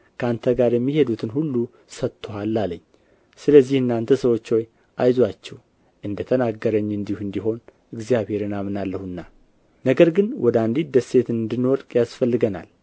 ከአንተ ጋር የሚሄዱትን ሁሉ ሰጥቶሃል አለኝ ስለዚህ እናንተ ሰዎች ሆይ አይዞአችሁ እንደ ተናገረኝ እንዲሁ እንዲሆን እግዚአብሔርን አምናለሁና ነገር ግን ወደ አንዲት ደሴት እንድንወድቅ ያስፈልገናል